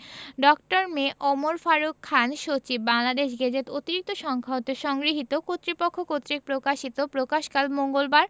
ড. মে. ওমর ফারুক খান সচিব বাংলাদেশ গেজেট অতিরিক্ত সংখ্যা হতে সংগৃহীত কতৃপক্ষ কর্তৃক প্রকাশিত প্রকাশকালঃ মঙ্গলবার